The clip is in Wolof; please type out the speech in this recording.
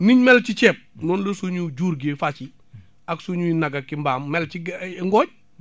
niñ mel ci ceeb noonu la jur gi fàcc ak suñuy nag ak i mbaam mel ci ge ngooñ